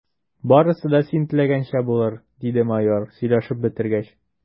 Барысы да син теләгәнчә булыр, – диде майор, сөйләшеп бетергәч.